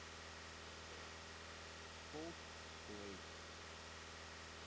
колт плей